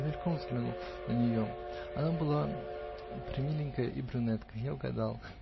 Я мельком взглянул на нее: она была премиленькая и брюнетка -- я угадал